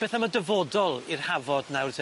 Beth am y dyfodol i'r Hafod nawr te...